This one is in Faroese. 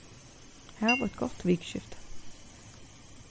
hav eitt gott vikuskifti